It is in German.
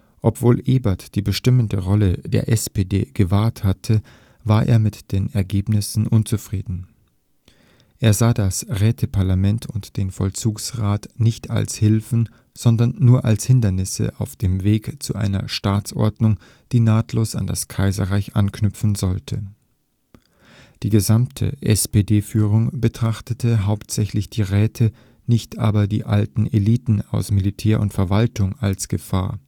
Obwohl Ebert die bestimmende Rolle der SPD gewahrt hatte, war er mit den Ergebnissen unzufrieden. Er sah das Räteparlament und den Vollzugsrat nicht als Hilfen, sondern nur als Hindernisse auf dem Weg zu einer Staatsordnung, die nahtlos an das Kaiserreich anknüpfen sollte. Die gesamte SPD-Führung betrachtete hauptsächlich die Räte, nicht aber die alten Eliten aus Militär und Verwaltung als Gefahr